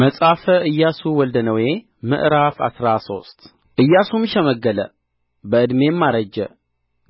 መጽሐፈ ኢያሱ ወልደ ነዌ ምዕራፍ አስራ ሶስት ኢያሱም ሸመገለ በዕድሜም አረጀ